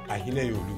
A hinɛ yen mun